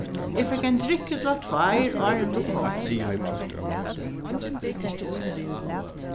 eg fekk ein drykk ella tveir áðrenn tú komst